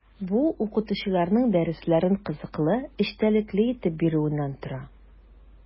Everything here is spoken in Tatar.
Бу – укытучыларның дәресләрен кызыклы, эчтәлекле итеп бирүеннән тора.